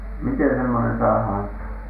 miten semmoinen saadaan -